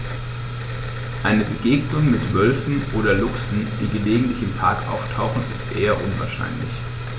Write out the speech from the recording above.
Eine Begegnung mit Wölfen oder Luchsen, die gelegentlich im Park auftauchen, ist eher unwahrscheinlich.